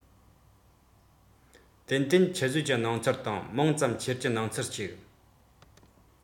ཏན ཏན ཆུད ཟོས ཀྱི སྣང ཚུལ དང མང ཙམ ཁྱེར ཀྱི སྣང ཚུལ ཞིག